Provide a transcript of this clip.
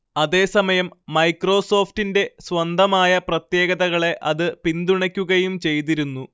അതേസമയം മൈക്രോസോഫ്റ്റിന്റെ സ്വന്തമായ പ്രത്യേകതകളെ അത് പിന്തുണക്കുകയും ചെയ്തിരുന്നു